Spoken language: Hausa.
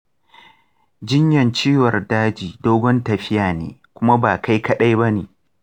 jinyar ciwon daji dogon tafiya ne kuma ba kai kadai bane.